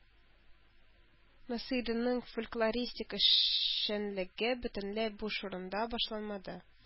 Насыйриның фольклористик эшчәнлеге бөтенләй буш урында башланмады